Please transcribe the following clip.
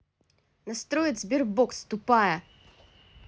настроить sberbox тупая